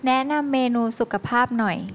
แนะนำเมนูสุขภาพหน่อย